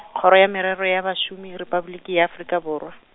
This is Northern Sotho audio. kgoro ya merero ya Bašomi Repabliki ya Afrika Borwa.